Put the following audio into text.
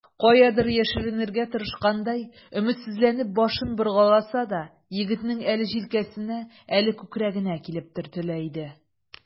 Каядыр яшеренергә тырышкандай, өметсезләнеп башын боргаласа да, егетнең әле җилкәсенә, әле күкрәгенә килеп төртелә иде.